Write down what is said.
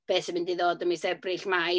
be sy'n mynd i ddod yn mis Ebrill, Mai.